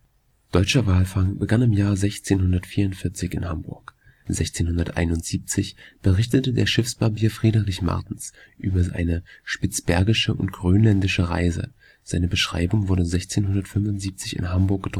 Deutscher Walfang begann im Jahr 1644 in Hamburg. 1671 berichtete der Schiffsbarbier Friederich Martens über eine spitzbergische und grönländische Reise, seine Beschreibung wurde 1675 in Hamburg